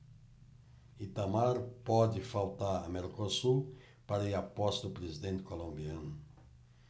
itamar pode faltar a mercosul para ir à posse do presidente colombiano